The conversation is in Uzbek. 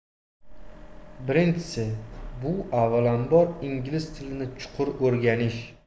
birinchisi bu avvalambor ingliz tilini chuqur o'rganish